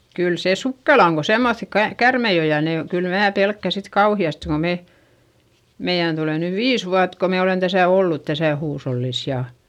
kyllä se sukkela on kun semmoisia - käärmeitä on ja ne on kyllä minä pelkään sitten kauheasti kun me meidän tulee nyt viisi vuotta kun me olemme tässä ollut tässä huushollissa ja